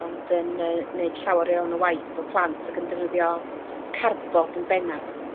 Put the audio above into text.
ond yn yy neud llawer iawn y waith efo plant ac yn defnyddio carbod yn bennaf.